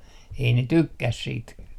ei ne tykkää siitä